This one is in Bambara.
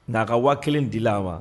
Nk'a ka wa kelen dilen a ma